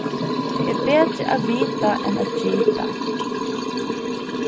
tað er betri at vita enn at gita